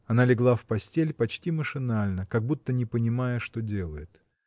Она легла в постель, почти машинально, как будто не понимая, что делает.